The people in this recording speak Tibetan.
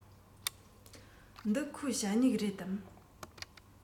འདི ཁོའི ཞ སྨྱུག རེད དམ